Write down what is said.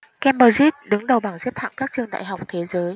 cambridge đứng đầu bảng xếp hạng các trường đại học thế giới